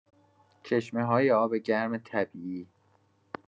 چشمه‌های آب‌گرم طبیعی.